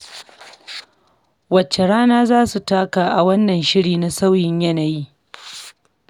Wacce rawa za su taka a wannan shiri na sauyin yanayi?